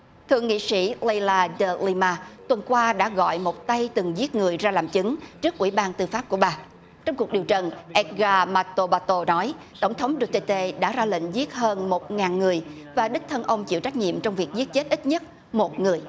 thượng nghị sĩ lây la đờ lây ma tuần qua đã gọi một tay từng giết người ra làm chứng trước ủy ban tư pháp của bà trong cuộc điều trần éc ga ma tô ba tô nói tổng thống đu tê tê đã ra lệnh giết hơn một ngàn người và đích thân ông chịu trách nhiệm trong việc giết chết ít nhất một người